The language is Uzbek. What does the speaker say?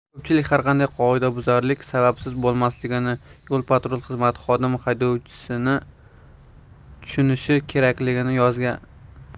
ko'pchilik har qanday qoidabuzarlik sababsiz bo'lmasligini yo patrul xizmati xodimi haydovchini tushunishi kerakligini yozgan